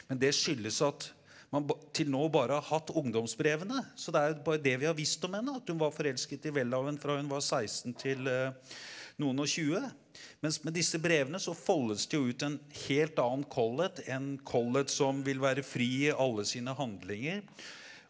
men det skyldes at man til nå bare har hatt ungdomsbrevene, så det er et bare det vi har visst om henne at hun var forelsket i Welhaven fra hun var 16 til noe og tjue, mens med disse brevene så foldes det jo ut en en helt annen Collett, en Collett som vil være fri i alle sine handlinger.